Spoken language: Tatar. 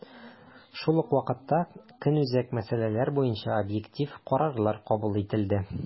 Шул ук вакытта, көнүзәк мәсьәләләр буенча объектив карарлар кабул ителде.